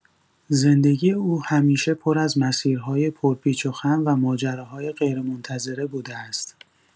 زندگی او همیشه پر از مسیرهای پرپیچ‌وخم و ماجراهای غیرمنتظره بوده است.